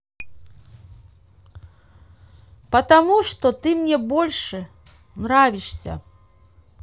потому что ты мне больше нравишься